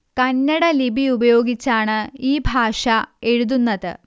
കന്നട ലിപി ഉപയോഗിച്ചാണ് ഈ ഭാഷ എഴുതുന്നത്